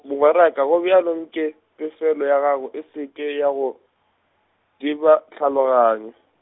mogweraka gobjalo anke pefelo ya gago e se ke ya go, diba tlhaloganyo.